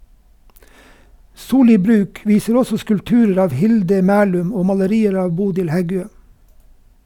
Soli Brug viser også skulpturer av Hilde Mæhlum og malerier av Bodil Heggø.